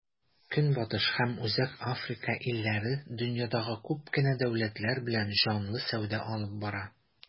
Көнбатыш һәм Үзәк Африка илләре дөньядагы күп кенә дәүләтләр белән җанлы сәүдә алып бара.